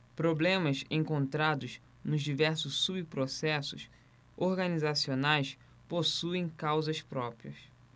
problemas encontrados nos diversos subprocessos organizacionais possuem causas próprias